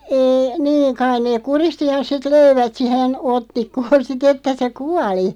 ei niin kai ne kuristi ja sitten löivät siihen otsikkoon sitten että se kuoli